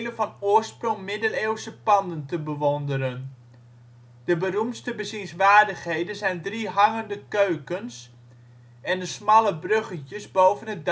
van oorsprong middeleeuwse panden te bewonderen. De beroemdste bezienswaardigheden zijn drie hangende keukens en de smalle bruggetjes boven